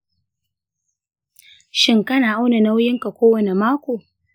shin kana auna nauyinka kowane mako?